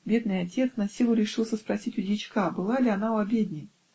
Бедный отец насилу решился спросить у дьячка, была ли она у обедни.